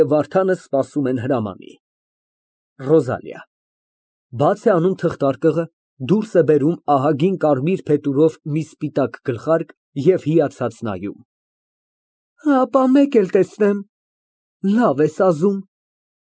ՎԱՐԴԱՆ ֊ Իննսուն մանեթ… Վայ սատանա փռնողանց Վարդան, իննսուն մանեթով Շամախիում մի տուն կարելի ա շինել… Հալա կտուրն ալ ղռած…